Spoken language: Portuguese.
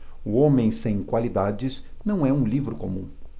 o homem sem qualidades não é um livro comum